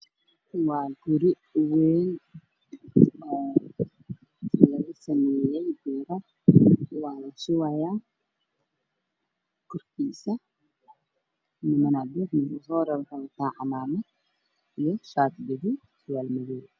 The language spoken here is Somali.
Waa guri dhisme ka socda waxaa dul saaran biro madow oo fara badan waxaa jooga ilmo farabadan iyo niman waaweyn guryo ayaa ka dambeeya